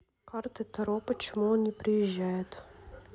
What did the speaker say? карты таро почему он не приезжает